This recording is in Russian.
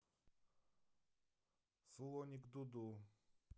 слоник ду ду